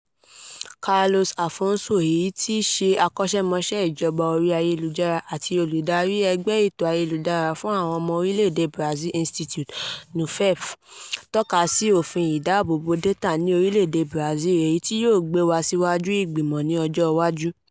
Carlos Afonso, ẹni tí í ṣe akọ́ṣẹ́mọṣẹ́ ìjọba orí ayélujára àti olùdarí ẹgbẹ́ ẹ̀tọ́ Ayélujára fún àwọn ọmọ orílẹ̀ èdè Brazil Institute Nupef, tọ́ka sí Òfin ìdáàbòbo Dátà ní orílẹ̀ èdè Brazil, èyí tí wọn yóò gbé wá síwájú ìgbìmọ̀ ní ọjọ́ iwájú.